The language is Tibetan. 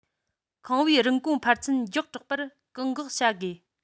ཁང པའི རིན གོང འཕར ཚད མགྱོགས དྲགས པར བཀག འགོག བྱ དགོས